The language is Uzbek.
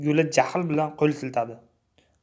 guli jahl bilan qo'l siltadi